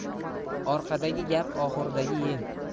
orqadagi gap oxurdagi yem